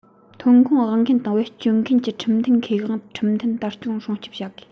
ཐོན ཁུངས དབང མཁན དང བེད སྤྱོད མཁན གྱི ཁྲིམས མཐུན ཁེ དབང ཁྲིམས མཐུན ལྟར སྲུང སྐྱོང བྱ དགོས